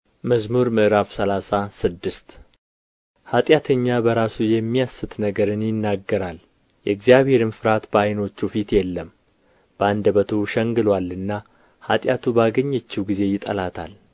መዝሙር ምዕራፍ ሰላሳ ስድስት ኃጢአተኛ በራሱ የሚያስት ነገርን ይናገራል የእግዚአብሔርም ፍርሃት በዓይኖቹ ፊት የለም በአንደበቱ ሸንግሎአልና ኃጢአቱ ባገኘችው ጊዜ ይጠላታል